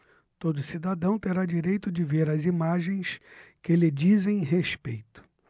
todo cidadão terá direito de ver as imagens que lhe dizem respeito